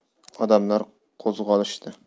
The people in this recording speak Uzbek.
odamlar qo'zg'olishdi